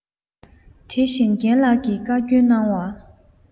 དེ བཞིན རྒན ལགས ཀྱིས བཀའ བཀྱོན གནང བ